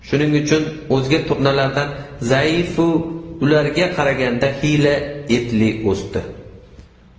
shuning uchun o'zga turnalardan zaifu ularga qaraganda xiyla etli bo'lib o'sdi